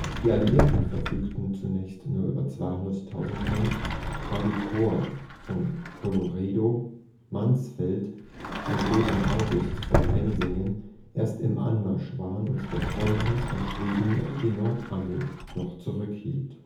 Die Alliierten verfügten zunächst nur über 200.000 Mann, da die Korps von Colloredo-Mansfeld und Levin August von Bennigsen erst im Anmarsch waren und der Kronprinz von Schweden die Nordarmee noch zurückhielt